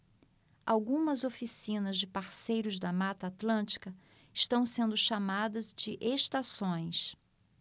algumas oficinas de parceiros da mata atlântica estão sendo chamadas de estações